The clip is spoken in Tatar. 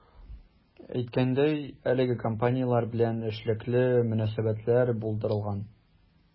Әйткәндәй, әлеге компанияләр белән эшлекле мөнәсәбәтләр булдырылган.